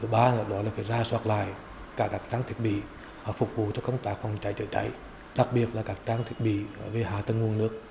thứ ba đó là việc rà soát lại cài đặt các thiết bị họ phục vụ cho công tác phòng cháy chữa cháy đặc biệt là các trang thiết bị về hạ tầng nguồn nước